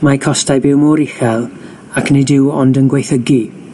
Mae costau byw mor uchel ac nid yw ond yn gwaethygu.